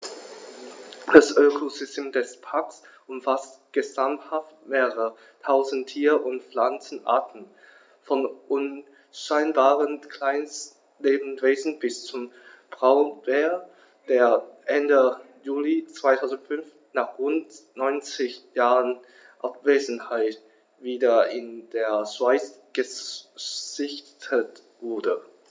Das Ökosystem des Parks umfasst gesamthaft mehrere tausend Tier- und Pflanzenarten, von unscheinbaren Kleinstlebewesen bis zum Braunbär, der Ende Juli 2005, nach rund 90 Jahren Abwesenheit, wieder in der Schweiz gesichtet wurde.